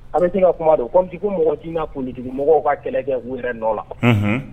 An bɛ denkɛ ka kuma de komi mɔgɔ j ka kulujugu mɔgɔw ka kɛlɛ kɛ wili nɔ la